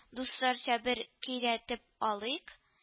Дусларча бер көйрәтеп алыйк